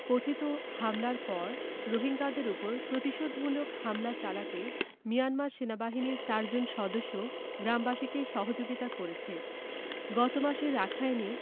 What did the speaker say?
কথিত হামলার পর রোহিঙ্গাদের ওপর প্রতিশোধমূলক হামলা চালাতে মিয়ানমার সেনাবাহিনীর চারজন সদস্য গ্রামবাসীকে সহযোগিতা করেছে গত মাসে রাখাইনে